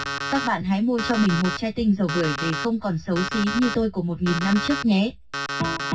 các bạn hãy mua cho mình chai tinh dầu bưởi để không còn xấu xí như tôi của năm trước nhé